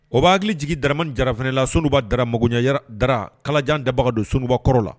O b'an hakili jigin Daramani Jara fana la sonduguba Dara magoɲɛ Darara kalajan dabaga don sonduguba kɔrɔ la